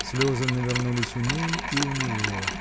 Слезы навернулись у ней и у него.